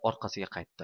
orqasiga qaytdi